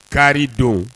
Kari don